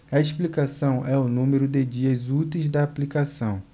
a explicação é o número de dias úteis da aplicação